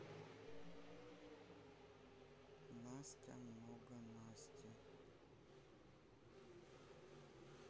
настя много насти